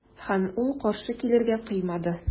Һәм ул каршы килергә кыймады.